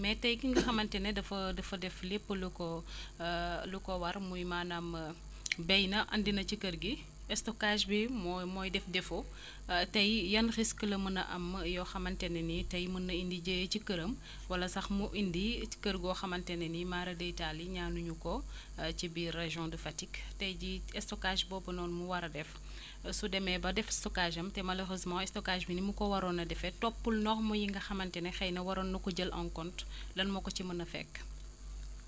mais tey ki nga xamante ne dafa dafa dafa def lépp lu ko lu ko war muy maanaam béy na andi na ci kër gi stockage bi moo mooy def défaut tey yan risque la mën a am yoo xamante ne ni tey mën na indi jéya ci këram wala sax mu indi kër goo xamante ni maaradeytaale ñaanuñu ko ci biir région de Fatick tey jii stockage boobu noonu mu war a def su demee ba def stockage am te malheureusement stockage bi ni mu ko waroon a defee toppul normes yi nga xamante ni xëy na waroon na ko jël en compte lan moo ko ciy mën a fekk